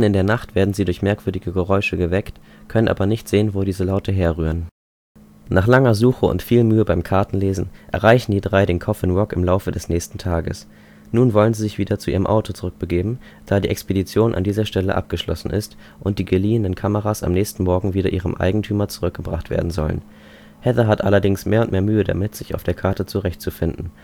der Nacht werden sie durch merkwürdige Geräusche geweckt, können aber nicht sehen, wo die Laute herrühren. Nach langer Suche und viel Mühe beim Kartenlesen erreichen die drei den Coffin Rock im Laufe des nächsten Tages. Nun wollen sie sich wieder zu ihrem Auto zurückbegeben, da die Expedition an dieser Stelle abgeschlossen ist und die geliehenen Kameras am nächsten Morgen wieder ihrem Eigentümer zurückgebracht werden sollen. Heather hat allerdings mehr und mehr Mühe damit, sich auf der Karte zurechtzufinden